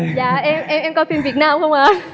dạ em em em coi phim việt nam không à